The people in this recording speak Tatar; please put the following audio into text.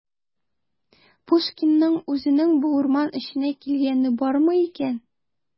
Пушкинның үзенең бу урман эченә килгәне бармы икән?